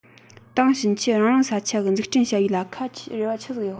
དེང ཕྱིན ཆད རང རང ས ཆ གི འཛུགས སྐྲུན བྱ བ ལ ཁ རེ བ ཆི ཟིག ཡོད